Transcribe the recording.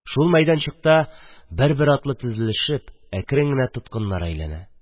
Шул мәйданчыкта бер-бер артлы тезелешеп әкрен генә тоткыннар әйләнә.